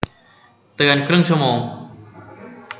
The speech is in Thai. เตือนครึ่งชั่วโมง